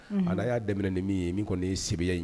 A y'a daminɛmin ni min ye min kɔni ye siya ye